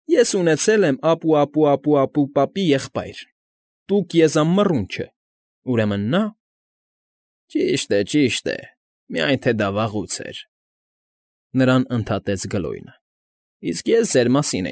Ես ունեցել եմ ապուապուապուպապի եղբայր՝ Տուկ Եզան Մռունչը, ուրեմն նա… ֊ Ճիշտ է, ճիշտ է, միայն թե դա վաղուց էր, ֊ նրան ընդհատեց Գլոյնը։ ֊ Իսկ ես ձեր մասին։